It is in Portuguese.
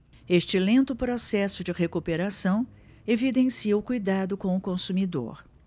este lento processo de recuperação evidencia o cuidado com o consumidor